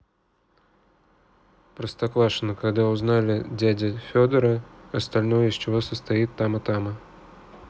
простоквашино когда узнали дядя федора остальное из чего состоит тама тама